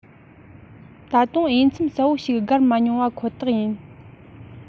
ད དུང དབྱེ མཚམས གསལ པོ ཞིག བཀར མ མྱོང བ ཁོ ཐག ཡིན